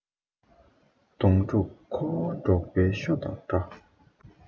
གདོང དྲུག འཁོར བ འབྲོག པའི ཤོ དང འདྲ